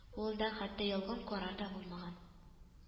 Кулында хәтта ялган карар да булмаган